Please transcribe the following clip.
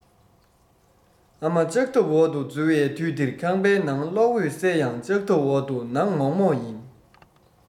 ཨ མ ལྕགས ཐབ འོག ཏུ འཛུལ བའི དུས དེར ཁང པའི ནང གློག འོད གསལ ཡང ལྕགས ཐབ འོག ཏུ ནག མོག མོག ཡིན